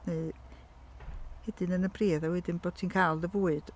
neu hedyn yn y pridd a wedyn bod ti'n cael dy fwyd.